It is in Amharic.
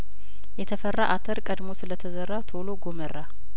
የተፈራ አተር ቀድሞ ስለተዘራ ቶሎ ጐመራ